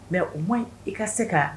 Mais au moins i ka se ka